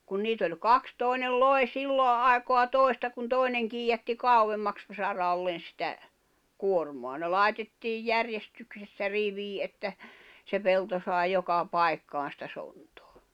kun niitä oli kaksi toinen loi silloin aikaa toista kun toinen kiidätti kauemmaksi saralle sitä kuormaa ne laitettiin järjestyksessä riviin että se pelto sai joka paikkaan sitä sontaa